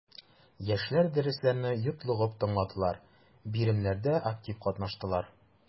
Яшьләр дәресләрне йотлыгып тыңладылар, биремнәрдә актив катнаштылар.